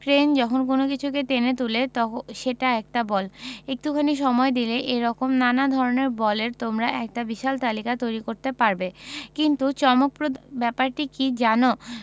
crane যখন কোনো কিছুকে টেনে তুলে সেটা একটা বল একটুখানি সময় দিলেই এ রকম নানা ধরনের বলের তোমরা একটা বিশাল তালিকা তৈরি করতে পারবে কিন্তু চমকপ্রদ ব্যাপারটি কী জানো